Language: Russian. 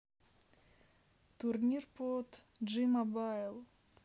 турнир под j мобайл